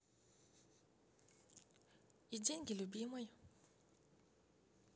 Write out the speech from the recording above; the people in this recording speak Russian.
и деньги любимой